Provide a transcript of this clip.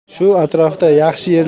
shu atrofda yaxshi